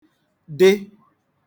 dị